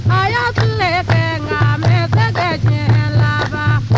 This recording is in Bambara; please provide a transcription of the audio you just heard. a y'a tile kɛ nk'a mɛ se ka diɲɛ laban